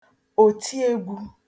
òtiegwu